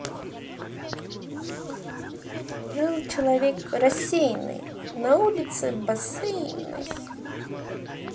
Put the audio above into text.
жил человек рассеянный на улице бассейной